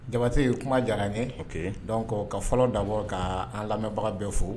Jabate ye kuma diyara ye ka fɔlɔ dabɔ ka an lamɛnbaga bɛɛ fo